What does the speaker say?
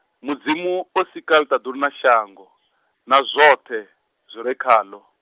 Mudzimu o sika ḽiṱaḓulu na shango, na zwoṱhe, zwire khaḽo.